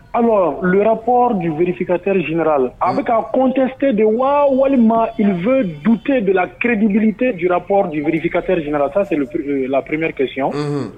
Ayiwa rapdvrifinkarerisina a la an bɛka ka kɔntete de wa walima v dute dɔ la kiredvtejrapdvirikareridina a taa se perepe la premeri kɛsiɔn